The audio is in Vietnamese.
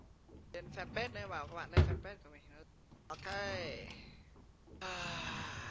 trên phen bết đấy bảo các bạn lên phen bết của mình ô cây à